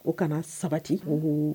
O kana sabati